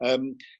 Yym